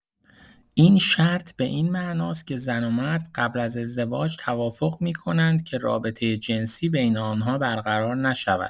این شرط به این معناست که زن و مرد قبل از ازدواج توافق می‌کنند که رابطه جنسی بین آن‌ها برقرار نشود.